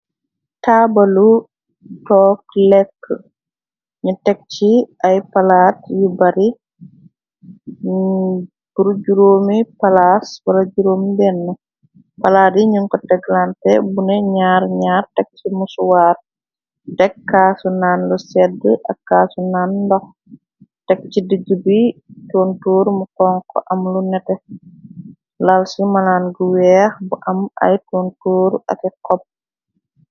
Taabalu toog lekk, ñu tek ci ay palaat yu bari, pur juroomi palaas wala juroom-benne, palaat yi ñu ko teglante, bune ñaar ñaar tek ci musuwar, tek kaasu naan bu sedd ak kaasu naan ndox, tek ci digg bi tontoor mu xonxu am lu nete, lal ci malan gu weex bu am ay tontooru ake xob.